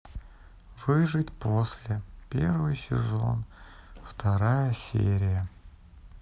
выжить после первый сезон вторая серия